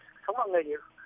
sống bằng nghề gì hết